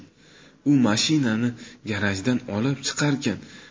u mashinani garajdan olib chiqarkan